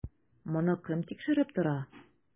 Моны кем тикшереп тора?